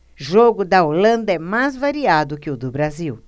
jogo da holanda é mais variado que o do brasil